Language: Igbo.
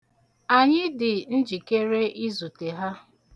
Anyị dị njikere izute ha.